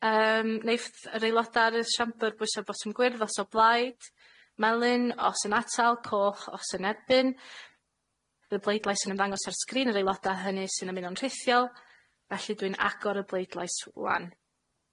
Yym neith yr aeloda' ar y siambr bwyso botwm gwyrdd os o blaid, melyn os yn atal, coch os yn erbyn. Bydd y bleidlais yn ymddangos ar sgrin yr aeloda' hynny sy'n ymuno'n rhithiol, felly dwi'n agor y bleidlais rŵan.